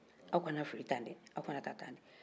aw kana fili tan dɛ aw kana ta tan dɛ